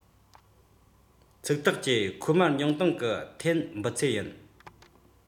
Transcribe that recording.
ཚིག ཐག བཅད ཁོ མར ཉུང གཏོང གི ཐཱན འབུད ཚད ཡིན